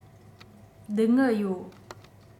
སྡུག སྔལ ཡོད